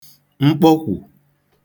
mkpọkwù